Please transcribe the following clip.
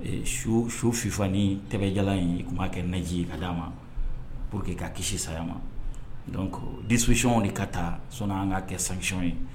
Su fifa ni tɛjala in tun' kɛ naji ale ma po que ka kisi saya ma don diyɔn de ka taa so an ka kɛ sancyɔn ye